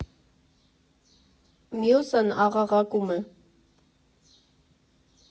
Մյուսն աղաղակում է.